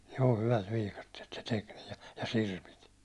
joo hyvät viikatteet se teki niin ja sirpit